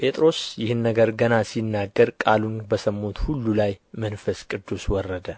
ጴጥሮስ ይህን ነገር ገና ሲናገር ቃሉን በሰሙት ሁሉ ላይ መንፈስ ቅዱስ ወረደ